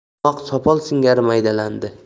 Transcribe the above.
barmoq sopol singari maydalandi